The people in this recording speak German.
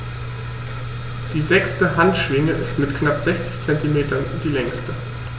Die sechste Handschwinge ist mit knapp 60 cm die längste.